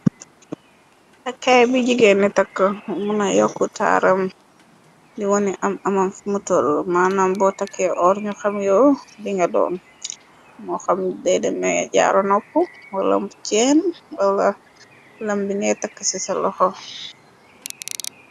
takaay bi jigéen ni takk muna yokk taaram di woni am amam fi mutol manam bo takke oor nu xam yoo di nga doon moo xam dedeme jaaru nopp walam ceen wala lam bi ngay takk ci sa loxo.